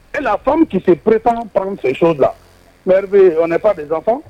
et la femme qui se prépare prendre ces choses la ɛrwe on n'est pas des enfants